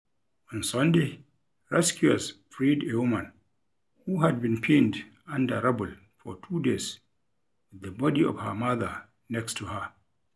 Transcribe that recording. On Sunday, rescuers freed a woman who had been pinned under rubble for two days with the body of her mother next to her.